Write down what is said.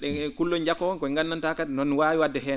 e kulloñ njakkoowoñ koñ nganndantaa kadi no waawi wa?de heen